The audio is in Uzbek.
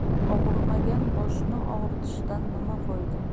og'rimagan boshni og'ritishdan nima foyda